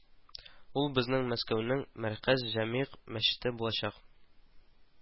Ул безнең Мәскәүнең мәркәз Җәмигъ мәчете булачак